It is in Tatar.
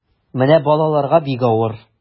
Менә балаларга бик авыр.